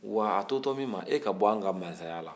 wa a totɔ min ma e bɔ an ka mansaya la